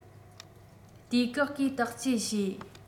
དུས བཀག གིས དག བཅོས བྱས